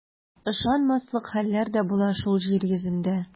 Ышанмаслык хәлләр дә була шул җир йөзендә.